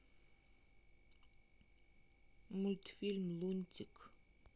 мультфильм лунтик